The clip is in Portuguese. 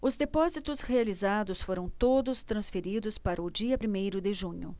os depósitos realizados foram todos transferidos para o dia primeiro de junho